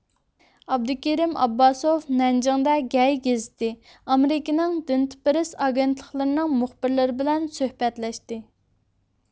ئابدۇكېرىم ئابباسوف نەنجىڭدە گەي گېزىتى ئامېرىكىنىڭ دىندپىرىس ئاگېنتلىقلىرىنىڭ مۇخبىرلىرى بىلەن سۆھبەتلەشتى